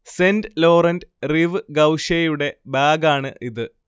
saint Laurent Rive ഗൗഷേയുടെ ബാഗാണ് ഇത്